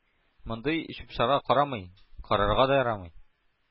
Мондый чүп-чарга карамый карарга да ярамый